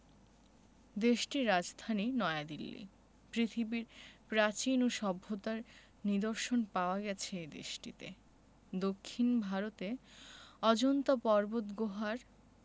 দেশটির রাজধানী নয়াদিল্লী পৃথিবীর প্রাচীন ও সভ্যতার নিদর্শন পাওয়া গেছে এ দেশটিতে দক্ষিন ভারতে অজন্তা পর্বতগুহার